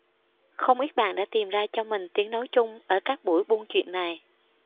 không ít bạn đã tìm ra cho mình tiếng nói chung ở các buổi buôn chuyện này